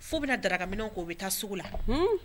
Fo bɛna darakaminɛ kɛ u bɛ taa sugu la